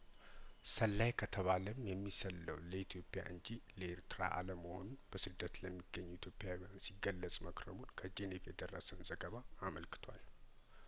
ሰላይ ከተባለም የሚሰልለው ለኢትዮጵያ እንጂ ለኤርትራ አለመሆኑን በስደት ለሚገኙ ኢትዮጵያዊያን ሲገለጽ መክረሙን ከጄኔቭ የደረሰን ዘገባ አመልክቷል